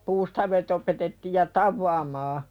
puustaavit opetettiin ja tavaamaan